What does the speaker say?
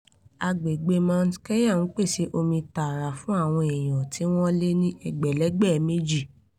Agbègbè Mount Kenya ń pèsè omi tààrà fún àwọn èèyàn tí wọ́n lé ní ẹgbẹ̀lẹ́gbẹ̀ méjì.